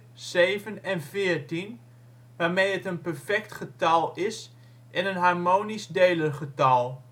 1, 2, 4, 7 en 14, waarmee het een perfect getal is en een harmonisch-delergetal